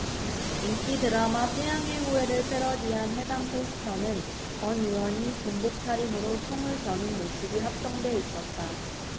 인기 드라마 태양의 후예를 패러디한 해당 포스터는 권 의원이 군복 차림으로 총을 겨눈 모습이 합성돼 있었다